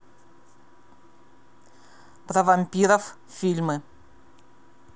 про вампиров фильмы